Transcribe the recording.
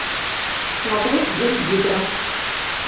смотреть гусь гидра